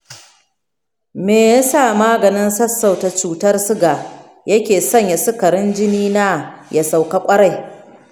me yasa maganin sassauta cutar suga ya ke sanya sukarin jinina ya sauka ƙwarai?